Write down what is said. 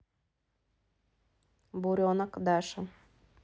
буренок даша